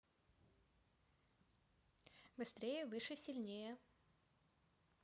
быстрее выше сильнее